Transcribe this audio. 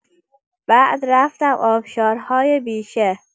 بعد رفتم آبشارهای بیشه.